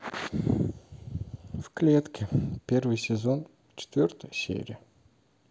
в клетке первый сезон четвертая серия